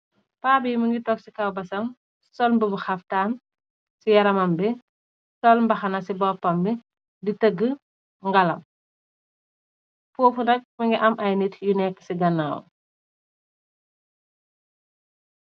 Paab bi mi ngi tog ci kaw basam sol mbëbu xaftaan ci yaramam bi sol mbaxana ci boppam bi di tëgg ngalam foofu nak mi ngi am ay nit yu nekk ci gannaaw.